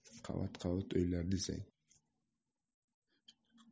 qavat qavat uylar desang